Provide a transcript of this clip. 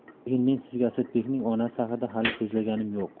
lekin men sizga asadbekning onasi haqida hali so'zlaganim yo'q